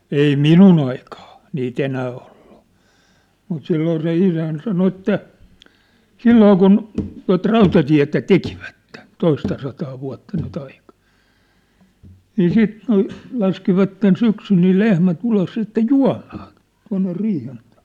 ei minun aikaa niitä enää ollut mutta silloin se isäni sanoi että silloin kun tuota rautatietä tekivät toistasataa vuotta nyt aika niin siitä - laskivat syksyllä niin lehmät ulos sitten juomaan tuonne riihen taakse